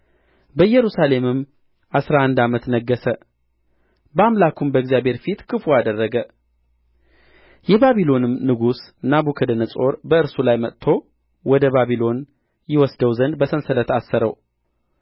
በኢየሩሳሌምም አሥራ አንድ ዓመት ነገሠ በአምላኩም በእግዚአብሔር ፊት ክፉ አደረገ የባቢሎንም ንጉሥ ናቡከደነፆር በእርሱ ላይ መጥቶ ወደ ባቢሎን ይወስደው ዘንድ በሰንሰለት አሰረው